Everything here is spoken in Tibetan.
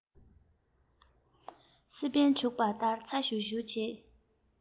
སེ པན བྱུགས པ ལྡར ཚ ཤུར ཤུར བྱེད